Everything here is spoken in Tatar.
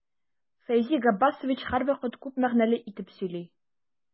Фәйзи Габбасович һәрвакыт күп мәгънәле итеп сөйли.